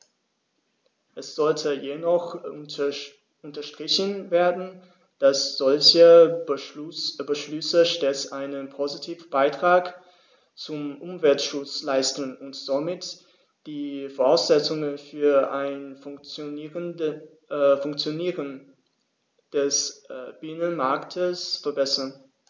Es sollte jedoch unterstrichen werden, dass solche Beschlüsse stets einen positiven Beitrag zum Umweltschutz leisten und somit die Voraussetzungen für ein Funktionieren des Binnenmarktes verbessern.